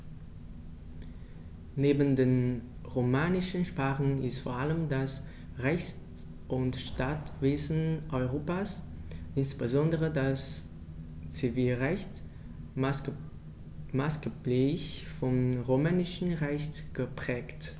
Neben den romanischen Sprachen ist vor allem das Rechts- und Staatswesen Europas, insbesondere das Zivilrecht, maßgeblich vom Römischen Recht geprägt.